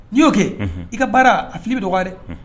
N'i y'o kɛ i ka baara a fili bɛ dɔgɔ dɛ